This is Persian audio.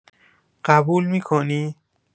قبول می‌کنی؟